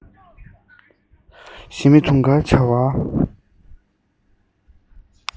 ཞི མི དུང དཀར བྱ བ